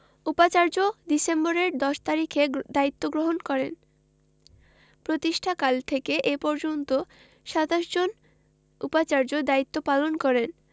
উপাচার্য ডিসেম্বরের ১০ তারিখে দায়িত্ব গ্রহণ করেন প্রতিষ্ঠাকাল থেকে এ পর্যন্ত ২৭ জন উপাচার্য দায়িত্ব পালন করেন